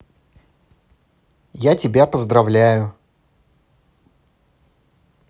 я тебя поздравляю